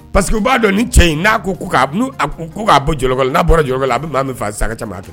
Parce que b'a dɔn ni cɛ in n'a ko k ko k'a bɔ jɔlɔkolon la n'a bɔra jɔlɔ la a bɛ maa min faa sa ka caman'a fɛ